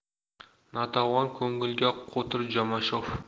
notavon ko'ngilga qo'tir jomashov